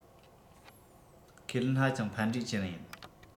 ཁས ལེན ཧ ཅང ཕན འབྲས ཅན ཡིན